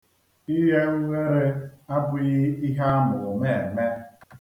Ighe ughere abụghị ihe ama ụma eme.